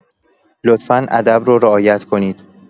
لطفا ادب رو رعایت کنید